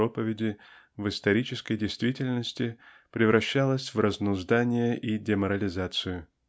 проповедь в исторической действительности превращалась в разнузданно и деморализацию.